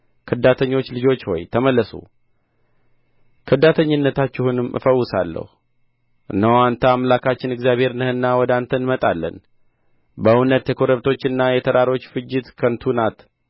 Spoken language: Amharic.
ከዳተኞች ልጆች ሆይ ተመለሱ ከዳተኛነታችሁንም እፈውሳለሁ እነሆ አንተ አምላካችን እግዚአብሔር ነህና ወደ አንተ እንመጣለን በእውነት የኮረብቶችና የተራሮች ፍጅት ከንቱ ናት